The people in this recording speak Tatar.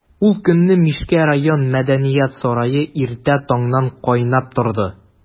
Ул көнне Мишкә район мәдәният сарае иртә таңнан кайнап торды.